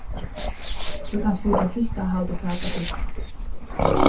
tú kanst fyri tað fyrsta halda uppat at lúgva